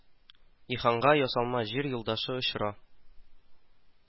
Иһанга ясалма жир юлдашы очыра